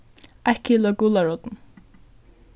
eitt kilo av gularótum